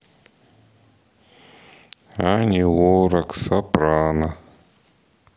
ани лорак сопрано